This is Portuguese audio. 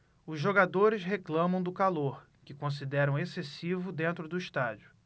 os jogadores reclamam do calor que consideram excessivo dentro do estádio